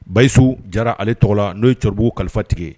Basiyiso jara ale tɔgɔ la n'o ye cɛkɔrɔbaɔriuru kalifatigi